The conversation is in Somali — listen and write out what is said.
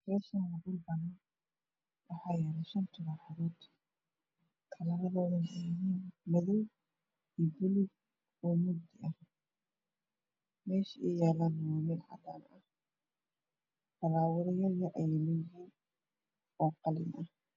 Meshanwaa dhul banaan waxaa shar maruxdood kalarduuna madow iyo paluug iyo gaduud meesha ay yalaana waa meel cadaana h falaawara yar yar ah ayaa meesha yaalo oo qalin ah